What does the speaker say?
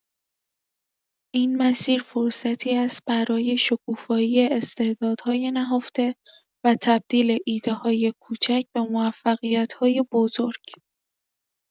این مسیر فرصتی است برای شکوفایی استعدادهای نهفته و تبدیل ایده‌های کوچک به موفقیت‌های بزرگ.